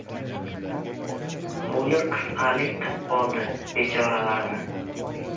qo'li qisqalik qip qoldi bechoralarni